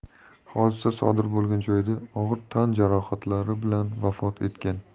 hodisa sodir bo'lgan joyda og'ir tan jarohatlari bilan vafot etgan